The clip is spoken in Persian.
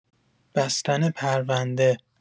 بستن پرونده